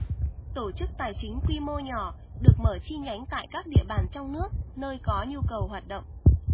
tổ chức tài chính quy mô nhỏ được mở chi nhánh tại các địa bàn trong nước nơi có nhu cầu hoạt động